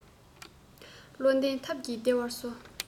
བློ ལྡན ཐབས ཀྱིས བདེ བར གསོ